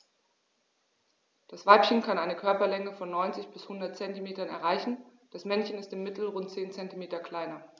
Das Weibchen kann eine Körperlänge von 90-100 cm erreichen; das Männchen ist im Mittel rund 10 cm kleiner.